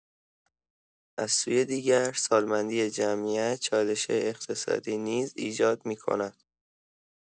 از سوی دیگر، سالمندی جمعیت چالش‌های اقتصادی نیز ایجاد می‌کند.